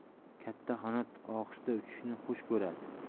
katta qanot ohista uchishni xush ko'radi